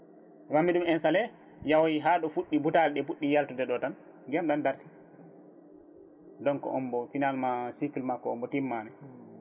mbanmi ɗum installé yaahoyi ha ɗo fuɗɗi buutali ɗi puɗɗi yaltude ɗo tan ndiaym ɗam darti donc on mbo finalement cycle makko ombo timmani